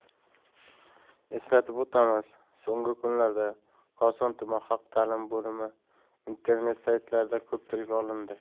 eslatib o'tamiz so'nggi kunlarda koson tuman xalq ta'limi bo'limi internet saytlarida ko'p tilga olindi